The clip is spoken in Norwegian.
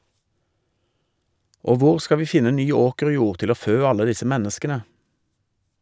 Og hvor skal vi finne ny åkerjord til å fø alle disse menneskene?